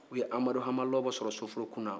u ye amadu hama lɔbɔ sɔrɔ sofokun na